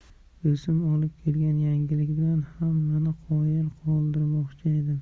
o'zim olib kelgan yangilik bilan hammani qoyil qoldirmoqchi edim